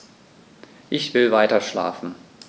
Ich will weiterschlafen.